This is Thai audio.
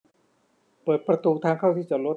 เปิดประตูทางเข้าที่จอดรถ